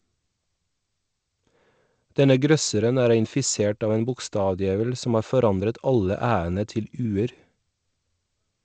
Denne grøsseren er infisert av en bokstavdjevel som har forandret alle "æ"-ene til "u"-er.